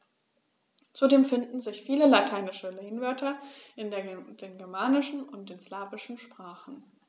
Zudem finden sich viele lateinische Lehnwörter in den germanischen und den slawischen Sprachen.